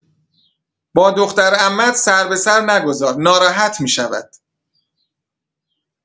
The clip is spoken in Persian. با دخترعمه‌ات سر به سر نگذار، ناراحت می‌شود.